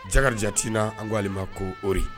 Jakarija Tina an ko ale ma ko Tori